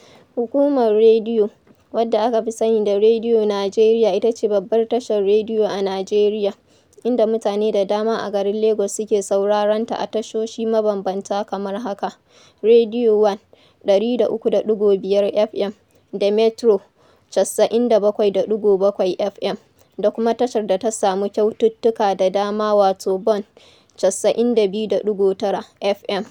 Hukumar Rediyo, wadda aka fi sani da Rediyo Najeriya ita ce babbar tashar rediyo a Najeriya, inda mutane da dama a garin Lagos suke sauraron ta a tashoshi mabambanta kamar haka: Radio One 103.5 FM da Metro 97.7 FM da kuma tashar da ta samu kyaututtuka da dama wato Bond 92.9 FM.